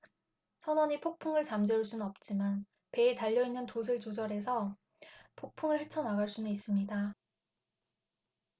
선원이 폭풍을 잠재울 수는 없지만 배에 달려 있는 돛을 조절해서 폭풍을 헤쳐 나갈 수는 있습니다